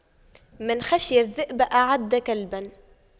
من خشى الذئب أعد كلبا